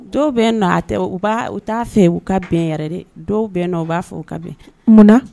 Dɔw bɛ u u t'a fɛ u ka bɛn yɛrɛ dɛ dɔw bɛn nɔ u b'a fɔ u ka bɛn munna